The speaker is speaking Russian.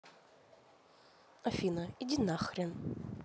афина иди нахрен